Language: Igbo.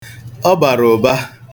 Ọ bara ụba.